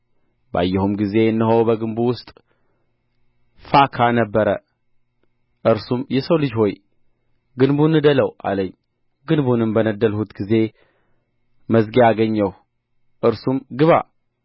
ባየሁም ጊዜ እነሆ በግንቡ ውስጥ ፉካ ነበረ እርሱም የሰው ልጅ ሆይ ግንቡን ንደለው አለኝ ግንቡንም በነደልሁት ጊዜ መዝጊያ አገኘሁ እርሱም ግባ